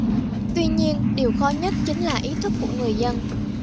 tuy nhiên điều khó nhất chính là ý thức của người dân